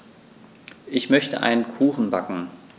Ich möchte einen Kuchen backen.